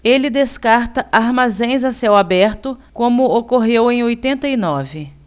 ele descarta armazéns a céu aberto como ocorreu em oitenta e nove